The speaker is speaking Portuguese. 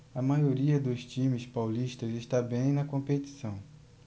a maioria dos times paulistas está bem na competição